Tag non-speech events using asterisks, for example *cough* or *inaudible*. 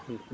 *hesitation* *hesitation*